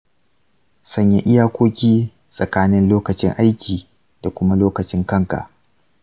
sanya iyakoki tsakanin lokacin aiki da kuma lokacin kanka.